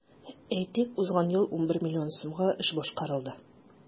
Әйтик, узган ел 11 миллион сумга эш башкарылды.